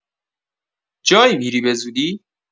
جایی می‌ری به‌زودی؟